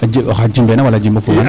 oxa jimeena wara jamafulaa